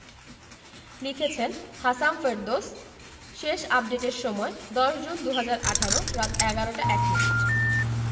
লিখেছেন হাসাম ফেরদৌস শেষ আপডেটের সময় ১০ জুন ২০১৮ রাত ১১টা ১ মিনিট